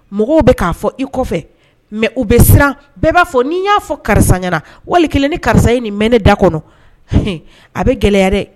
Mɔgɔw bɛ k'a fɔ i kɔfɛ mɛ u bɛ siran bɛɛ b'a fɔ n'i y'a fɔ karisa ɲɛnaana wali kelen ni karisa ye nin mɛn ne da kɔnɔ a bɛ gɛlɛyayara dɛ